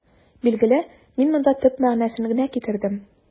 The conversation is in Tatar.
Билгеле, мин монда төп мәгънәсен генә китердем.